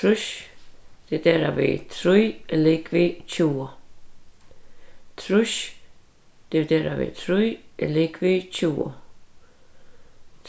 trýss dividerað við trý er ligvið tjúgu trýss dividerað við trý er ligvið tjúgu